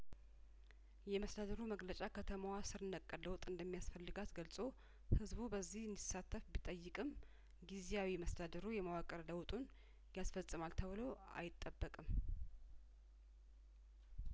የመስተዳድሩ መግለጫ ከተማዋ ስርነቀል ለውጥ እንደሚያስፈልጋት ገልጾ ህዝቡ በዚህ እንዲሳተፍ ቢጠይቅም ጊዜያዊ መስተዳድሩ የመዋቅር ለውጡን ያስፈጽማል ተብሎ አይጠበቅም